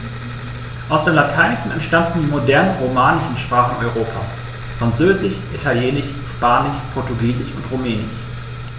Aus dem Lateinischen entstanden die modernen „romanischen“ Sprachen Europas: Französisch, Italienisch, Spanisch, Portugiesisch und Rumänisch.